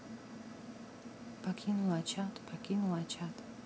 покинула чат покинула чат